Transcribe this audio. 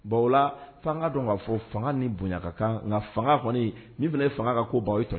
Bon ola fanga dɔn kaa fɔ fanga ni bonyaka kan nka fanga kɔni min fana fanga ka ko baw ye to